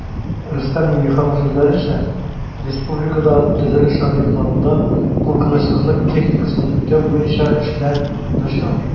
Рөстәм Миңнеханов сүзләренчә, республикада төзелеш объектларында куркынычсызлык техникасын үтәү буенча эшләр начар